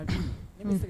Fatim unh